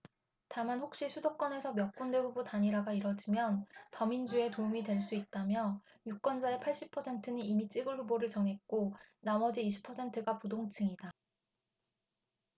다만 혹시 수도권에서 몇 군데 후보 단일화가 이뤄지면 더민주에 도움이 될 수 있다며 유권자의 팔십 퍼센트는 이미 찍을 후보를 정했고 나머지 이십 퍼센트가 부동층이다